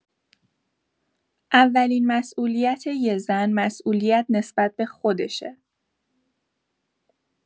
اولین مسئولیت یه زن، مسئولیت نسبت به خودشه.